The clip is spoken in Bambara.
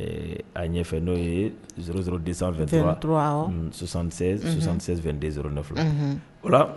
A ɲɛfɛ n'o ye 0022376762209 , unhun,